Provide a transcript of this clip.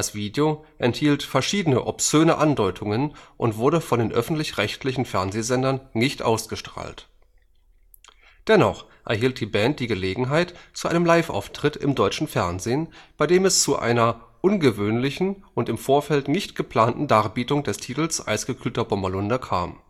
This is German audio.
Video enthielt verschiedene obszöne Andeutungen und wurde von den öffentlich-rechtlichen Fernsehsendern nicht ausgestrahlt. Dennoch erhielt die Band die Gelegenheit zu einem Live-Auftritt im deutschen Fernsehen, bei dem es zu einer ungewöhnlichen und im Vorfeld nicht geplanten Darbietung des Titels Eisgekühlter Bommerlunder kam